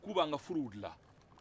k'u ban ka furuw dilan